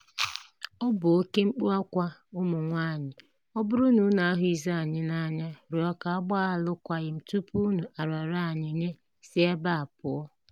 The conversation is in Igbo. Ọ bụ oke mkpu akwa, ụmụ nwaanyị ọ bụrụ na unu ahụghịzị anyị n'anya rịọ ka a gbaa alụkwaghịm tupu unu arara anyị nye, si ebe a pụọ.